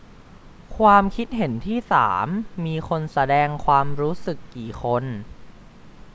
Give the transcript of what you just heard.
ความคิดเห็นที่สามมีคนแสดงความรู้สึกกี่คน